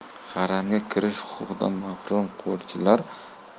haramga kirish huquqidan mahrum qo'rchilar